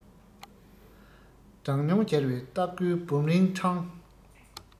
སྦྲང སྨྱོན སྦྱར བས རྟགས བསྐུས སྦོམ རིང མཁྲང